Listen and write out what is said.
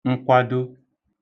nkwado